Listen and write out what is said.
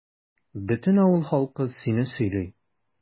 Бөтен авыл халкы сине сөйли.